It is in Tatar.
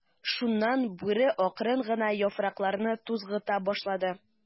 Шуннан Бүре акрын гына яфракларны тузгыта башлады.